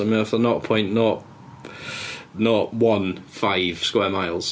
Mae o fatha nought point nought nought one five square miles.